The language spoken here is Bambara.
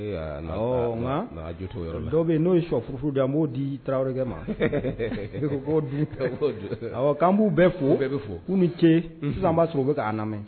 Dɔw n'o ye suɔ furuuru furu di an b'o di tarawelekɛ ma i an'u bɛɛ fo bɛ fɔ k'u ni ce sisan b'a sɔrɔ u bɛ k'a lamɛnmɛ